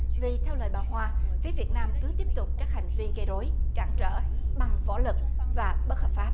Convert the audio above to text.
vì theo lời bà hoa phía việt nam cứ tiếp tục các hành vi gây rối cản trở bằng võ lực và bất hợp pháp